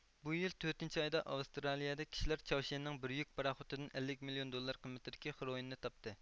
بۇ يىل تۆتىنچى ئايدا ئاۋسترالىيىدە كىشىلەر چاۋشيەننىڭ بىر يۈك پاراخوتىدىن ئەللىك مىليون دوللار قىممىتىدىكى خرۇئىننى تاپتى